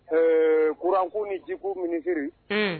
Eee couran ko ni ji ko ministre unn